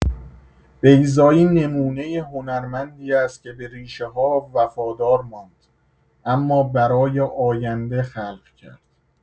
بیضایی نمونه هنرمندی است که به ریشه‌ها وفادار ماند اما برای آینده خلق کرد.